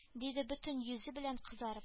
Диде бөтен йөзе белән кызарып